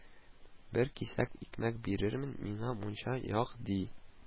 – бер кисәк икмәк бирермен, миңа мунча як, – ди